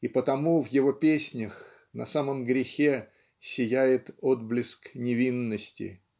и потому в его песнях на самом грехе сияет отблеск невинности